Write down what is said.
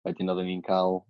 wedyn oddan ni'n ca'l